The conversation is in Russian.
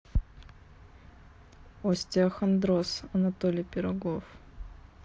остеохондроз анатолий пирогов